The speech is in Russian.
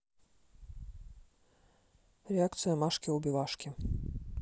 реакции машки убивашки